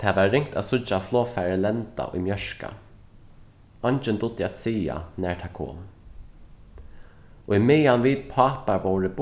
tað var ringt at síggja flogfarið lenda í mjørka eingin dugdi at siga nær tað kom ímeðan vit pápar vóru